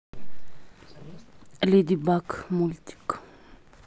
леди баг мультик